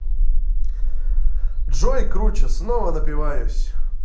джой круче снова напиваюсь